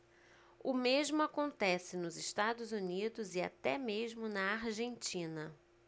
o mesmo acontece nos estados unidos e até mesmo na argentina